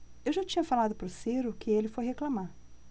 eu já tinha falado pro ciro que ele foi reclamar